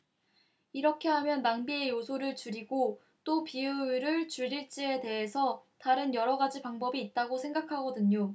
어떻게 하면 낭비의 요소를 줄이고 또 비효율을 줄일지에 대해서 다른 여러 가지 방법이 있다고 생각하거든요